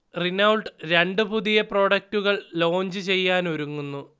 Renault രണ്ട് പുതിയ പ്രൊഡക്ടുകൾ ലോഞ്ച് ചെയ്യാനൊരുങ്ങുന്നു